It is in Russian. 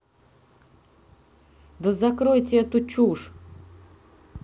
да закройте эту чушь